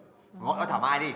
gọi cho thảo mai đi